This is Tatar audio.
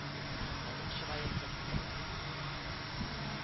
Аның чырае сыттык